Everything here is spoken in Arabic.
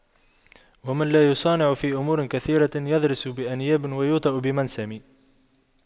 ومن لا يصانع في أمور كثيرة يضرس بأنياب ويوطأ بمنسم